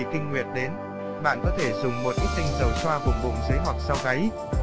mỗi khi kỳ kinh nguyệt đến bạn có thể dùng một ít tinh dầu xoa vùng bụng dưới hoặc sau gáy